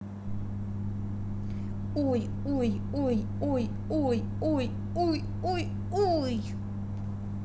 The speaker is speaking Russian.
ой ой ой ой ой ой ой ой ой